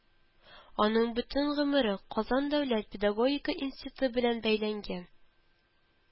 Аның бөтен гомере Казан дәүләт педагогика институты белән бәйләнгән